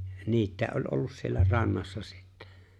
niitä oli ollut siellä rannassa sitten